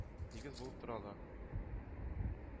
Нигез булып тора ала.